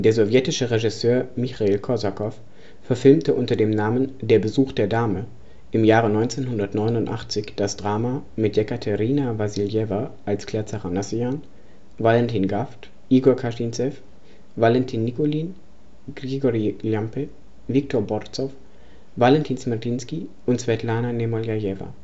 sowjetische Regisseur Michail Kosakow verfilmte unter den Namen Der Besuch der Dame (Визит дамы) im Jahre 1989 das Drama mit Jekaterina Wassiljewa als Claire Zachanassian, Valentin Gaft, Igor Kaschinzew, Valentin Nikulin, Grigorij Ljampe, Viktor Borzow, Valentin Smirtinskij und Swetlana Nemoljajewa